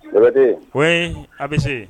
Jabate,. Oui, ABC.